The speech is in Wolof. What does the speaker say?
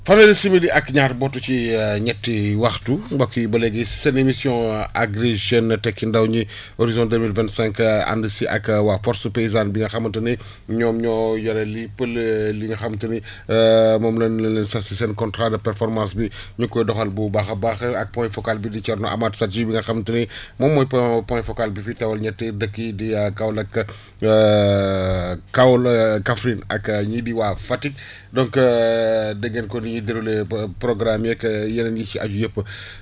fanweeri simili ak ñaar bootu ci ñetti waxtu mbokk yi ba léegi seen émission Agri Jeunes tekki ndaw ñi horizon deux mille vingt cinq ànd si ak waa force paysane bi nga xamante ni ñoom ñoo yore lépp li nga xamante ni moom la ñu leen sas si seen contrat de performance bi ñu ko doxal bu baax a baax ak point focal bi Thierno Amath Sadji bi nga xam te ne moom mooy point point focal bi fi teewal ñetti dëkk yii di Kaolack Kao Kaffrine ak ñii di waa Fatick donc dégg ngeen kon ni ñuy déroulé programmes yeeg yeneen yi ci aju yëpp